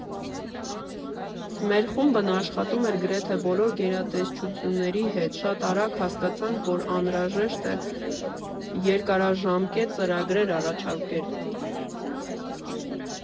Մեր խումբն աշխատում էր գրեթե բոլոր գերատեսչությունների հետ, շատ արագ հասկացանք, որ անհրաժեշտ է երկարաժամկետ ծրագրեր առաջարկել։